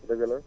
dëgg la